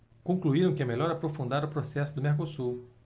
concluíram que é melhor aprofundar o processo do mercosul